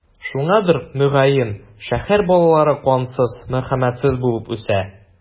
Шуңадыр, мөгаен, шәһәр балалары кансыз, мәрхәмәтсез булып үсә.